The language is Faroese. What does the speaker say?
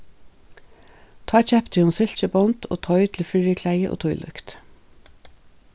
tá keypti hon silkibond og toy til fyriklæði og tílíkt